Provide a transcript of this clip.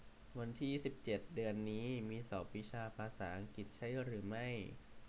วันที่สิบเจ็ดเดือนนี้มีสอบวิชาภาษาอังกฤษใช่หรือไม่